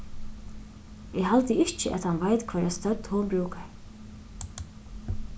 eg haldi ikki at hann veit hvørja stødd hon brúkar